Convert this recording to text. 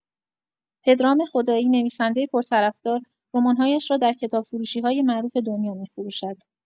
پدرام خدایی، نویسنده پرطرفدار، رمان‌هایش را در کتاب‌فروشی‌های معروف دنیا می‌فروشد.